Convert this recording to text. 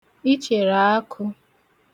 ichèrè akụ̄